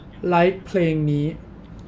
ไลค์เพลงนี้